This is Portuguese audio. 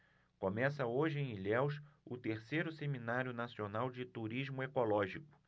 começa hoje em ilhéus o terceiro seminário nacional de turismo ecológico